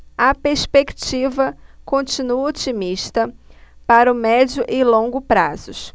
a perspectiva continua otimista para o médio e longo prazos